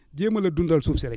jéema a la dundal suuf si rek